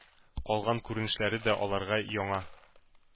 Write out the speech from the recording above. Калган күренешләре дә аларга яңа,